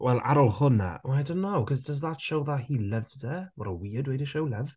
Wel ar ôl hwnna, o I don't know. Cos does that show that he loves her? What a weird way to show love.